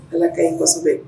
Ala ka ɲi kosɛbɛ